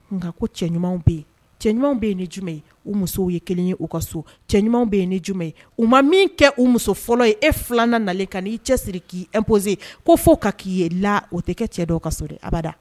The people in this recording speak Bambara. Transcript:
Nka ko cɛ ɲumanw bɛ yen cɛ ɲumanw bɛ ye ne jumɛn ye u musow ye kelen ye u ka so cɛ ɲuman bɛ ye ne jumɛn ye u ma min kɛ u muso fɔlɔ ye e filanan nalen ka n'i cɛ siri k'i epzse ko fo ka k'i ye la o tɛ kɛ cɛ dɔw ka so dɛ abada